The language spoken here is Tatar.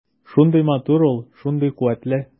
Шундый матур ул, шундый куәтле.